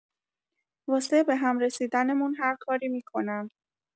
واسه بهم رسیدنمون هرکاری می‌کنم.